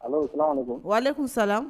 Ale' sa